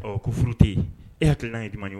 Ɔ ko furu tɛ yen e hakili n'a ye man ye